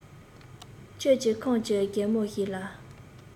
ཁྱོད ཀྱིས ཁམས ཀྱི རྒན མོ ཞིག ལ